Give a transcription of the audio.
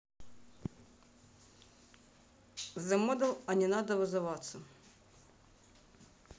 the model а не надо вызываться